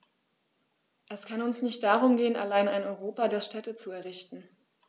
Es kann uns nicht darum gehen, allein ein Europa der Städte zu errichten.